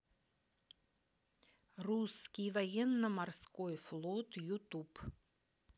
русский военно морской флот ютуб